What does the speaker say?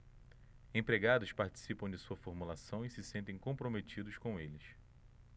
empregados participam da sua formulação e se sentem comprometidos com eles